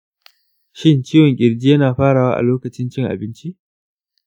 shin, ciwon ƙirji yana farawa a lokacin cin abinci?